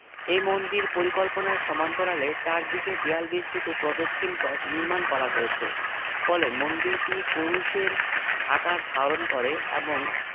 এ মন্দির পরিকল্পনার সমান্তরালে চারদিকে দেয়াল বেষ্টিত প্রদক্ষিণ পথ নির্মাণ করা হয়েছে ফলে মন্দিরটি ক্রুশের আকার ধারণ করে এবং